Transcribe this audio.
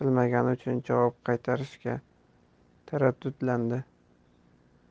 bilmagani uchun javob qaytarishga taraddudlandi